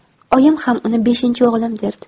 oyim ham uni beshinchi o'g'lim derdi